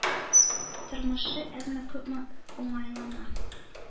Тормышы әзме-күпме уңайлана,